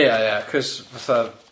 Ia ia, cos fatha